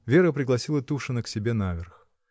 Вера пригласила Тушина к себе наверх.